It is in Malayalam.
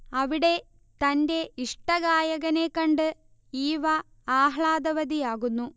അവിടെ തന്റെ ഇഷ്ടഗായകനെ കണ്ട് ഈവ ആഹ്ലാദവതിയാകുന്നു